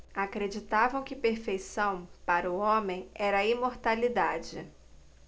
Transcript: acreditavam que perfeição para o homem era a imortalidade